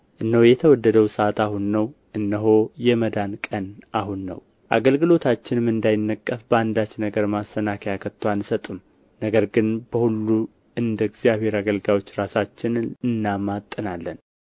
እነሆ የተወደደው ሰዓት አሁን ነው እነሆ የመዳን ቀን አሁን ነው አገልግሎታችንም እንዳይነቀፍ በአንዳች ነገር ማሰናከያ ከቶ አንሰጥም ነገር ግን በሁሉ እንደ እግዚአብሔር አገልጋዮች ራሳችንን እናማጥናለን